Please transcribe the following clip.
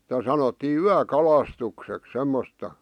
sitä sanottiin yökalastukseksi semmoista